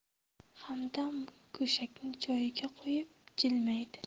hamdam go'shakni joyiga qo'yib jilmaydi